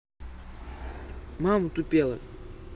мама тупела